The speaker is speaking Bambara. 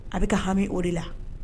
A bɛ ka hami o de la